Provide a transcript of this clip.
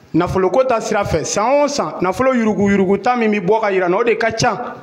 Nafolo ko ta sira fɛ san o san nafolo yugu yuruguta min bɛ bɔ ka yi jira n'o de ka ca